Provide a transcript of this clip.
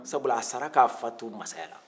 sabula a sara k'a fa to mansaya la